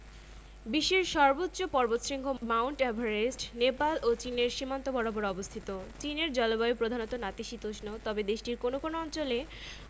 বিশ্বের সর্বোচ্চ পর্বতশৃঙ্গ মাউন্ট এভারেস্ট নেপাল ও চীনের সীমান্ত বরাবর অবস্থিত চীনের জলবায়ু প্রধানত নাতিশীতোষ্ণ তবে দেশটির কোনো কোনো অঞ্চল